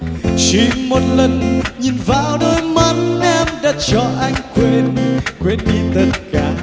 chỉ một lần nhìn vào đôi mắt em đã cho anh quên quên